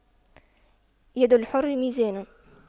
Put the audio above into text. يد الحر ميزان